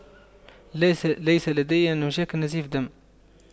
ليست ليس لدي مشاكل نزيف دم